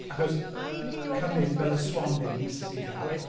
Achos Come Inn fel y Swan Inns sydd i gael.